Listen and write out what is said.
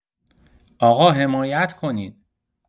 آقا حمایت کنین